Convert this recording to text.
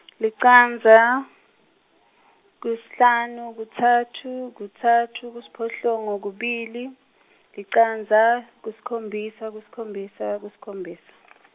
licandza, kusihlanu, kutsatfu, kutsatfu , kusiphohlongo, kubili, licandza, kusikhombisa, kusikhombisa, kusikhombisa .